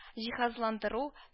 Җиһазландыру